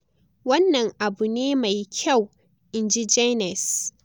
"Wannan abu ne mai kyau," in ji Jaynes.